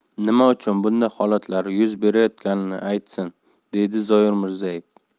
nima uchun bunday holatlar yuz berayotganini aytsin dedi zoir mirzayev